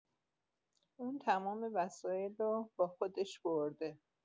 اون تمام وسایلو با خودش برده